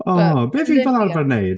O be ti fel arfer yn wneud?